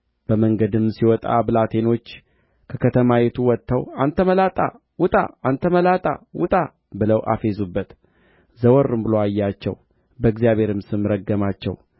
ጨው ጣለበትና እግዚአብሔር እንዲህ ይላል ይህን ውኃ ፈውሼዋለሁ ከዚህም በኋላ ሞትና ጭንገፋ አይሆንበትም አለ ኤልሳዕም እንደ ተናገረው ነገር ውኃው እስከ ዛሬ ድረስ ተፈውሶአል ከዚያም ወደ ቤቴል ወጣ